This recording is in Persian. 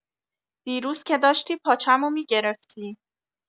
دیروز که داشتی پاچمو می‌گرفتی!